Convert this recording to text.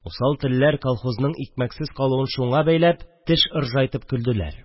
Усал телләр колхозның икмәксез калуын шуңа бәйләп теш ыржайтып көлделәр